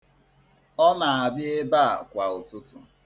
Ọ na-abịa ebe a kwa ụtụtụ.